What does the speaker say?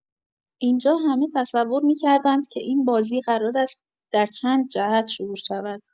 اینجا همه تصور می‌کردند که این بازی قرار است در چند جهت شروع شود.